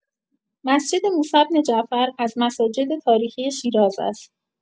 مسجد موسی بن جعفر از مساجد تاریخی شیراز است.